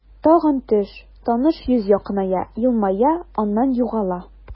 Тагын төш, таныш йөз якыная, елмая, аннан югала.